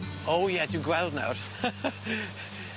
O ie dwi'n gweld nawr.